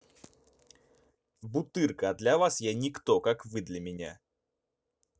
бутырка а для вас я никто как вы для меня